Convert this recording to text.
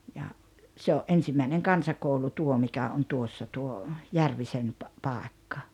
ja se oli ensimmäinen kansakoulu tuo mikä on tuossa tuo Järvisen - paikka